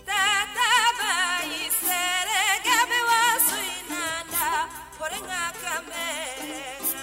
San nka y'isɛ kɛ wa sugu in na la walasa ka fɛ